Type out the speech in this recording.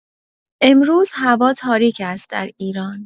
امروز هوا تاریک است در ایران